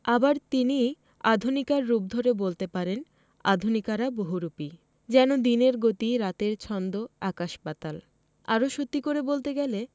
আবার তিনিই আধুনিকার রূপ ধরে বলতে পারেন আধুনিকারা বহুরূপী যেন দিনের গতি রাতের ছন্দ আকাশ পাতাল আরও সত্যি করে বলতে গেলে